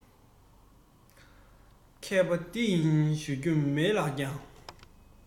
མཁས པ འདི ཡིན ཞུ རྒྱུ མེད ལགས ཀྱང